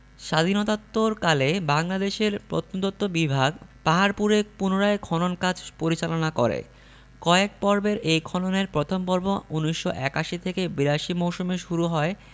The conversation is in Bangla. স্বাধীনতাত্তোরকালে বাংলাদেশের প্রত্নতত্ত্ব বিভাগ পাহাড়পুরে পুনরায় খনন কাজ পরিচালনা করে কয়েক পর্বের এ খননের ১ম পর্ব ১৯৮১ থেকে ৮২ মৌসুমে শুরু হয়